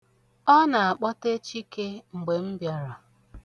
Ọ na-akpọte Chike mgbe m bịara.